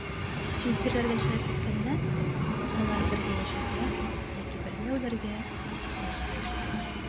Чит җирләргә чыгып киткәндә, алар бергә яшәргә яки бергә үләргә сүз куештылар.